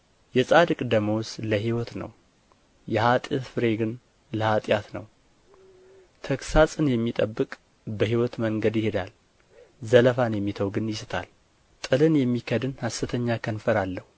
የጻድቅ ደመወዝ ለሕይወት ነው የኃጥእ ፍሬ ግን ለኃጢአት ነው ተግሣጽን የሚጠብቅ በሕይወት መንገድ ይሄዳል ዘለፋን የሚተው ግን ይስታል ጥልን የሚከድን ሐሰተኛ ከንፈር አለው